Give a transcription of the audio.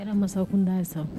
A kɛra mansakun da ye sa